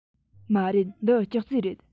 མ རེད འདི ཅོག ཙེ རེད